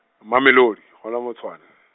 Mamelodi, gona mo Tshwane.